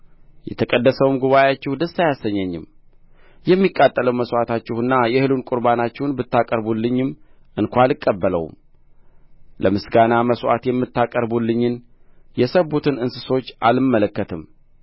የተቀደሰውም ጉባኤአችሁ ደስ አያሰኘኝም የሚቃጠለውን መሥዋዕታችሁና የእህሉን ቍርባናችሁን ብታቀርቡልኝም እንኳ አልቀበለውም ለምስጋና መሥዋዕት የምታቀርቡልኝን የሰቡትን እንስሶች አልመለከትም